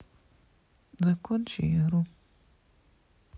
закончи игру